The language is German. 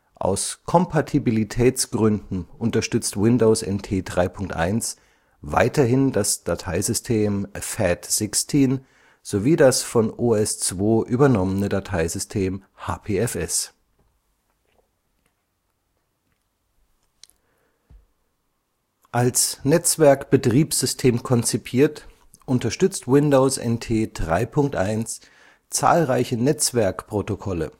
Aus Kompatibilitätsgründen unterstützt Windows NT 3.1 weiterhin das Dateisystem FAT16 sowie das von OS/2 übernommene Dateisystem HPFS. Als Netzwerkbetriebssystem konzipiert, unterstützt Windows NT 3.1 zahlreiche Netzwerkprotokolle